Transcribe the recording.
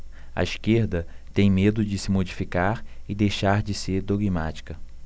a esquerda tem medo de se modificar e deixar de ser dogmática